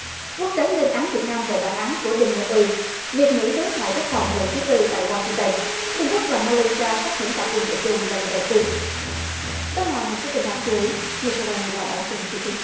quốc tế lên án việt nam về bản án của đình nhật uy việt mỹ đối thoại quốc phòng lần thứ tư tại goa sing ton trung quốc và ma lay si a sắp diễn tập quân sự chung lần đầu tiên đó là một số tin đáng chú ý ngay sau đây là bản tin chi tiết